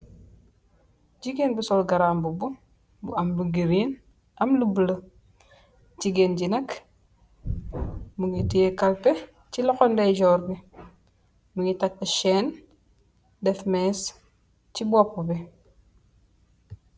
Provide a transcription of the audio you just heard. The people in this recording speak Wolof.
Jegueen bou sol garrapboubou am lou green am lou bolla jegueen ngee nak mougui tiyee kalpeh ci loho ndaijor bi mougui tahka chine deff mess ci boppou bi